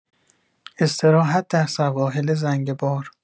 استراحت در سواحل زنگبار